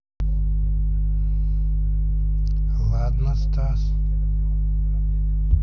ладно стас